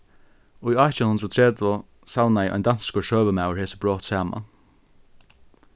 í átjan hundrað og tretivu savnaði ein danskur søgumaður hesi brot saman